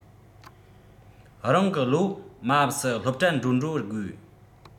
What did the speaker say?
རང གི བློ མ བབས སུ སློབ གྲྭ འགྲོ འགྲོ དགོས